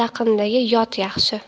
yaqindagi yot yaxshi